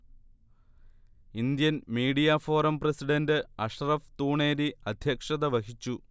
Indian media forum president Ashraf Thooneri അധ്യക്ഷത വഹിച്ചു